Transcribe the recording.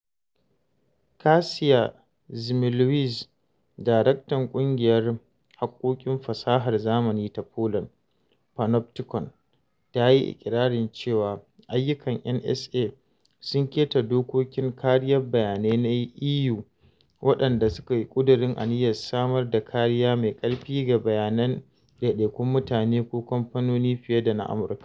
Kasia Szymielewicz, daraktan ƙungiyar haƙƙoƙin fasahar zamani ta Poland, Panoptykon, ta yi iƙirarin cewa ayyukan NSA sun keta dokokin kariyar bayanai na EU, waɗanda suka ƙuduri aniyar samar da kariya mai ƙarfi ga bayanan ɗaiɗaikun mutane ko kamfanoni fiye da na Amurka.